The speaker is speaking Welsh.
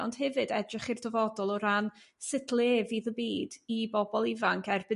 Ond hefyd edrych i'r dyfodol o ran sut le fydd y byd i bobl ifanc erbyn